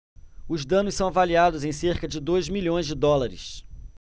os danos são avaliados em cerca de dois milhões de dólares